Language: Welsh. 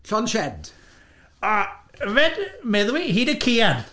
Llond sied!... "O, yfed... meddwi hyd y caead!"